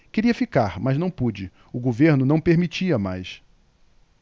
queria ficar mas não pude o governo não permitia mais